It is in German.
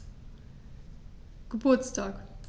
Geburtstag